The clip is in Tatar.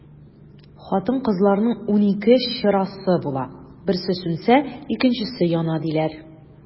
Хатын-кызларның унике чырасы була, берсе сүнсә, икенчесе яна, диләр.